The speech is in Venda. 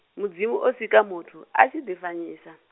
Mudzimu o sika muthu, a tshi ḓi fanyisa.